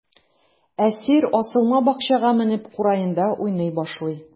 Әсир асылма бакчага менеп, кураенда уйный башлый.